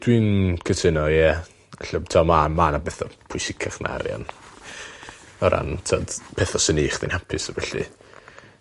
Dwi'n cytuno ie. Felly t'mo' ma' ma' 'na betha pwysicach n arian. O ran t'od petha sy'n neu' chdi'n hapus a ballu.